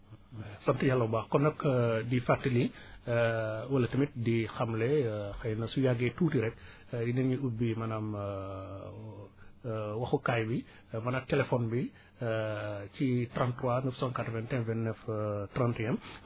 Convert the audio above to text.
sant Yàlla bu baax kon nag di fàttali wala tamit di xamle xëy na su yàggee tuuti rekk nañu ubbi maanaam waxukaay bi maanaam téléphone bi ci 33 981 29 31